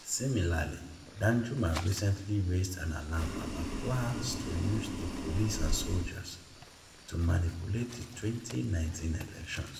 Similarly, Danjuma recently raised an alarm about plans to use “the police and soldiers” to manipulate the 2019 elections.